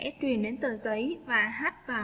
sẽ truyền đến tờ giấy và hát và